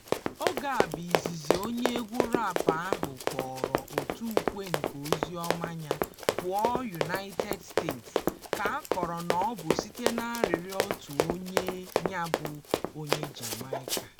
Oge a bụ izizi onye egwu raapụ ahụ kpọpụrụ òtùukwe nke oziọma ya pụọ United States, ka a kọrọ na ọ bụ site n'arịrịọ otu onye ọrụ ya bụ onye Jamaica.